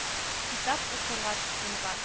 Китап укырга тотынган